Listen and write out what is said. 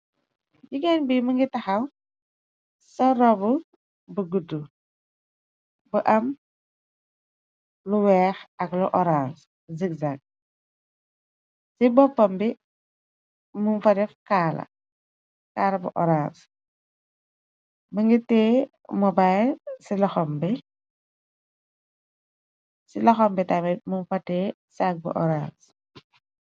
Jigéen bi më ngi taxaw sol robu bu guddu bu am lu weex akuriak ci boppambi ukaar bu orange më ngi tee mobay ci loxambi tamit mu fate cak bu horange